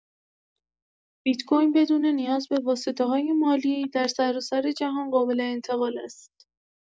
بیت‌کوین بدون نیاز به واسطه‌های مالی، در سراسر جهان قابل‌انتقال است.